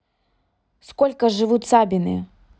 сколько живут сабины